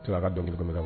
To a ka dɔn dɔnkili min